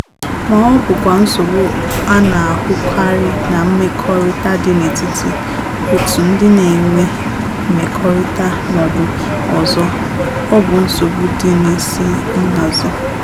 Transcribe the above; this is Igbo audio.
Ma ọ bụkwa nsogbu a na-ahụkarị na mmekọrịta dị n'etiti otu ndị na-enwe mmekọrịta ma ọ bụ ọzọ - ọ bụ nsogbu dị n'isi nhazi.